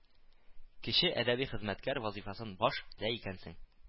Кече әдәби хезмәткәр вазыйфасын баш- дә икәнсең